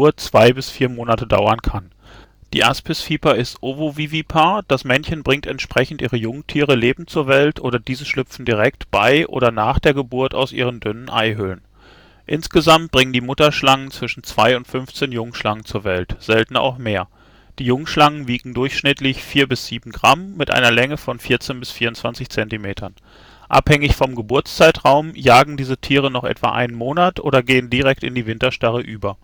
zwei bis vier Monate dauern kann. Die Aspisviper ist ovovivipar, das Weibchen bringt entsprechend ihre Jungtiere lebend zur Welt oder diese schlüpfen direkt bei und nach der Geburt aus ihren dünnen Eihüllen. Insgesamt bringen die Mutterschlangen zwischen zwei und 15 Jungschlangen zur Welt, selten auch mehr. Die Jungschlangen wiegen durchschnittlich vier bis sieben Gramm bei einer Länge von 14 bis 24 Zentimetern. Abhängig vom Geburtszeitraum jagen diese Tiere noch etwa einen Monat oder gehen direkt in die Winterstarre über